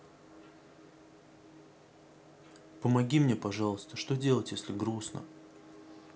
помоги мне пожалуйста что делать если грустно